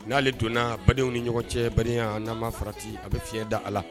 N'ale donnana badenww ni ɲɔgɔn cɛ balimaya nama farati a bɛ fiɲɛ da a la